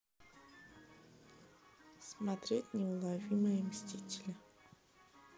смотреть неуловимые мстители